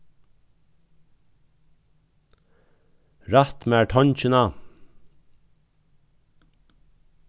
rætt mær tongina